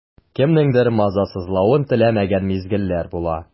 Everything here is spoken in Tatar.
Кемнеңдер мазасызлавын теләмәгән мизгелләр була.